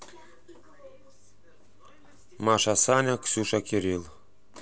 маша саня ксюша кирилл